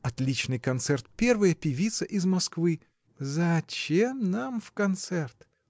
Отличный концерт: первая певица из Москвы. — Зачем нам в концерт?